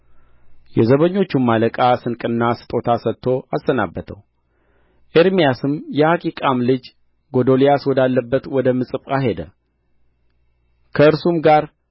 የዘበኞቹም አለቃ ስንቅና ስጦታ ሰጥቶ አሰናበተው ኤርምያስም የአኪቃም ልጅ ጎዶልያስ ወዳለበት ወደ ምጽጳ ሄደ ከእርሱም ጋር